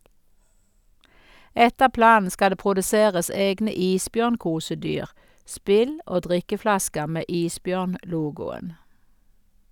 Etter planen skal det produseres egne isbjørnkosedyr, spill og drikkeflasker med isbjørnlogoen.